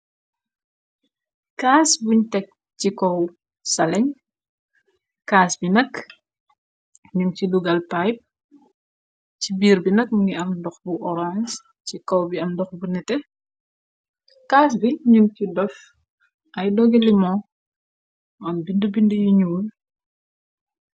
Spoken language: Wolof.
caas buñ tek ci kow saleñ caas bi nakk num ci dugal pype ci biir bi nak ngi am ndox bu orange ci kow bi am ndox bu nete caas bi num ci dof ay dogelimoo on bind bind yu ñuul